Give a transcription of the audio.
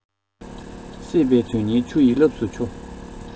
སྲེད པས དོན གཉེར ཆུ ཡི རླབས སུ འཕྱོ